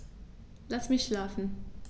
Lass mich schlafen